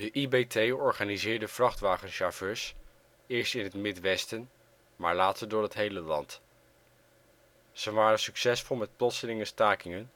De IBT organiseerde vrachtwagenchauffeurs, eerst in het midwesten maar later door het hele land. Ze waren succesvol met plotselinge stakingen